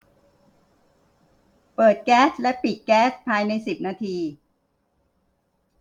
เปิดแก๊สและปิดแก๊สภายในสิบนาที